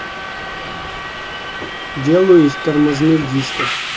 делаю из тормозных дисков